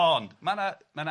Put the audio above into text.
Ond ma' 'na ma' 'na